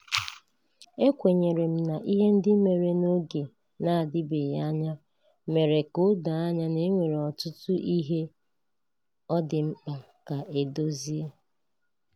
Ekwenyere m na ihe ndị mere n'oge na-adịbeghị anya mere ka o doo anya na e nwere ọtụtụ ihe ọ dị mkpa ka e dozie.